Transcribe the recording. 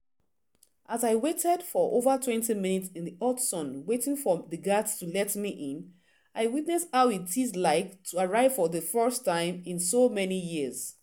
As I waited for over 20 minutes in the hot sun waiting for the guards to let me in, I witnessed how it is like to arrive for the first time in so many years.